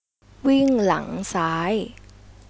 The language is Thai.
วิ่งหลังซ้าย